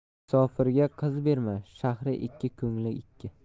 musofirga qiz berma shahri ikki ko'ngli ikki